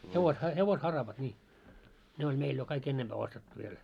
- hevosharavat niin ne oli meillä jo kaikki ennempää ostettu vielä